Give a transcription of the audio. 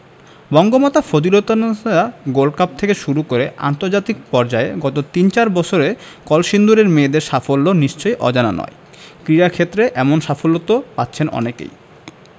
Bangamata Fazilatunnesa gold cup থেকে শুরু করে আন্তর্জাতিক পর্যায়ে গত তিন চার বছরে কলসিন্দুরের মেয়েদের সাফল্য নিশ্চয়ই অজানা নয় ক্রীড়াক্ষেত্রে এমন সাফল্য তো পাচ্ছেন অনেকেই